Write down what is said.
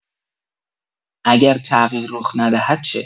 اگر تغییر رخ ندهد چه؟